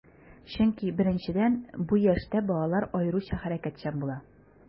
Чөнки, беренчедән, бу яшьтә балалар аеруча хәрәкәтчән була.